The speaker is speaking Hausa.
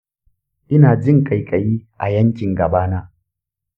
ina jin kaikayi a yankin gaba na